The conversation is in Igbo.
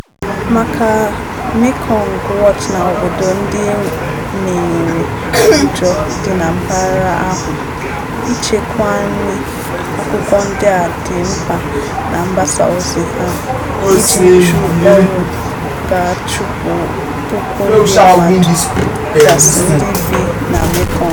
Maka Mekong Watch na obodo ndị e menyere ụjọ dị na mpaghara ahụ, ichekwami akukọ ndị a dị mkpa na mgbasa ozi ahụ iji jụ ọrụ ga-achụpụ puku ndị mmadụ gasị ndị bi na Mekong.